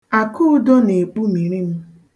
Akudo na-ekpumiri m.